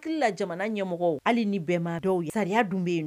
Hakili jamana ɲɛmɔgɔ hali ni bɛnmadɔ ya dun bɛ yen